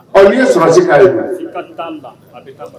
Ɔ ye surakasi' ye